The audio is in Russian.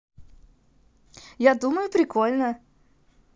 я думаю прикольно